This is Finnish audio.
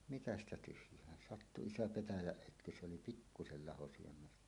mitä sitä tyhjään sattui iso petäjän ötky se oli pikkuisen laho sydämestä